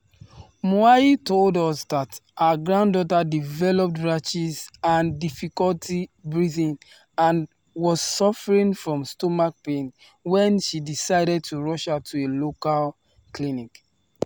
Moahi told us that her granddaughter developed rashes and difficulty breathing and was suffering from stomach pain when she decided to rush her to a local clinic.